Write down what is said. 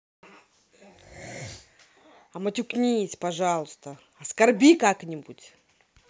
а матюкнись пожалуйста оскорби как нибудь